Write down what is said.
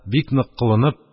Бик нык кылынып,